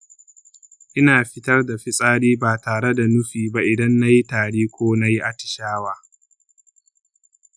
ina fitar da fitsari ba tare da nufi ba idan na yi tari ko na yi atishawa.